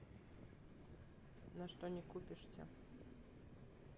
на что не купишься